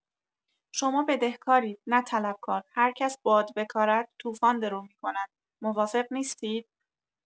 شما بدهکارید نه طلبکار هر کس باد بکارد طوفان درو می‌کندموافق نیستید؟